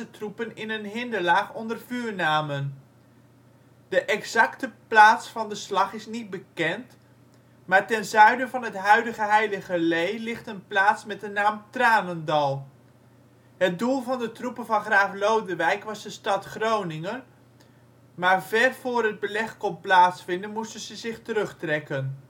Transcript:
troepen in de hinderlaag onder vuur namen. De exacte plaats van de slag is niet bekend, maar ten zuiden van het huidige Heiligerlee ligt een plaats met de naam Tranendal. Het doel van de troepen van graaf Lodewijk was de stad Groningen, maar ver voor het beleg kon plaatsvinden moesten ze zich terugtrekken